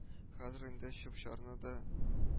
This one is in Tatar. Хәзер инде чүп-чарны да